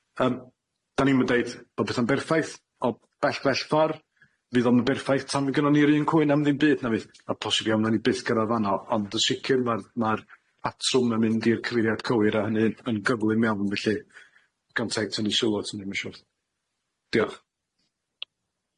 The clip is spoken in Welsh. Yym 'dan ni'm yn deud bo' petha'n berffaith o bell bell ffor, fydd o'm yn berffaith tan mi gynnon ni'r un cwyn am ddim byd na fydd a posib iawn nawn ni byth gyrradd fanno, ond yn sicir ma'r ma'r atrwm yn mynd i'r cyfeiriad cywir a hynny yn gyflym iawn felly, gantai tynnu sylw at hynny ma'n siŵr. Diolch.